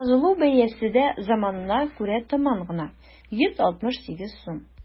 Язылу бәясе дә заманына күрә таман гына: 168 сум.